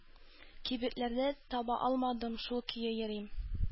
Кибетләрдә таба алмадым, шул көе йөрим.